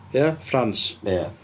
Ia... France... Ia